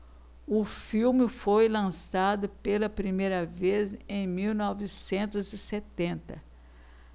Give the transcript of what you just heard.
o filme foi lançado pela primeira vez em mil novecentos e setenta